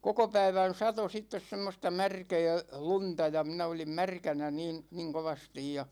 koko päivän satoi sitten semmoista märkää lunta ja minä olin märkänä niin niin kovasti ja